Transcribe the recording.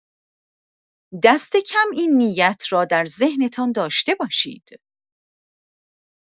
دست‌کم این نیت را در ذهنتان داشته باشید.